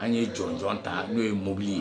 An ye jɔnjɔn ta n'o ye mɔbili ye.